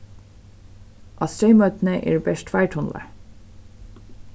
á streymoynni eru bert tveir tunlar